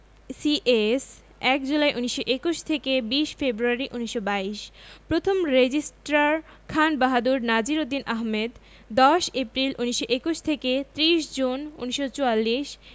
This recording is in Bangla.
সিএস ১ জুলাই ১৯২১ থেকে ২০ ফেব্রুয়ারি ১৯২২ প্রথম রেজিস্ট্রার খানবাহাদুর নাজির উদ্দিন আহমদ ১০ এপ্রিল ১৯২১ থেকে ৩০ জুন ১৯৪৪